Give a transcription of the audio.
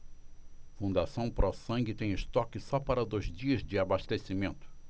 fundação pró sangue tem estoque só para dois dias de abastecimento